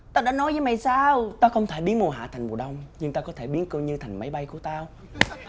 tao đã nói với mày sao tao không thể biến mùa hạ thành mùa đông nhưng tao có thể biến cô như thành máy bay của tao